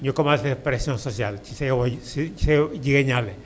ñu commencé pression sociale ci say waay ci say ci say jegeñaale